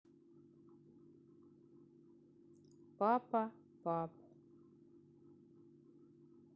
папа пап